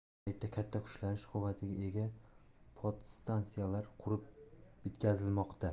ayni paytda katta kuchlanish quvvatiga ega podstantsiyalar qurib bitkazilmoqda